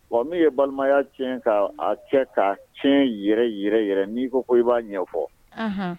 Wa min ye balimaya tiɲɛ ka cɛ ka tiɲɛ yɛrɛ yɛrɛ n'i ko i b'a ɲɛ ɲɛfɔ